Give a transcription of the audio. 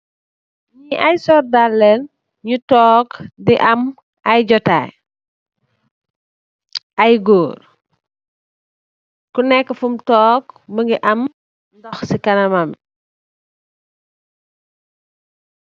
Ñii ay soldaar làñge ñu toog, di am jotaay. Ay góor, ku neekë fum toog mu am ndox si kanamam.